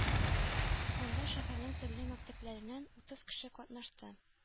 Анда шәһәрнең төрле мәктәпләреннән утыз кеше катнашты.